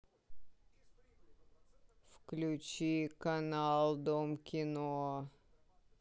включи канал дом кино